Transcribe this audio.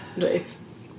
Reit.